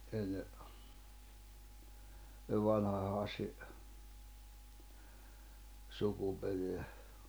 ennen sen vanhan Hassin sukuperää